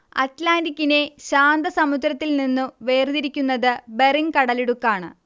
അറ്റ്ലാന്റിക്കിനെ ശാന്തസമുദ്രത്തിൽനിന്നു വേർതിരിക്കുന്നത് ബെറിങ് കടലിടുക്കാണ്